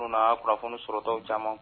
kunnafoni sɔrɔtaw caman